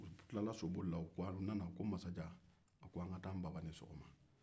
u tilara soboli u nana ko masajan an ka taa ko baba ni sɔgɔma